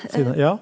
siden ja.